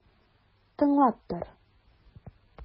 Тыңлап тор!